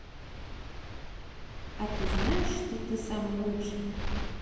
а ты знаешь что ты самый лучший